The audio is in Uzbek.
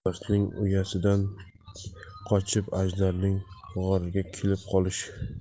yo'lbarsning uyasidan qochib ajdarning g'origa kirib qolish